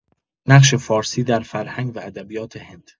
نقش فارسی در فرهنگ و ادبیات هند